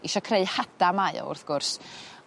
isio creu hada mae o wrth gwrs